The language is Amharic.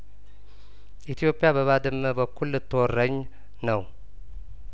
ኢትዮጵያ በባድመ በኩል ልትወረኝ ነው